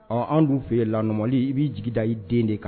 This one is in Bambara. Ɔ an' fɛ yen lali i b'i jigin da i den de kan